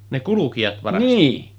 Ne kulkijat varasteli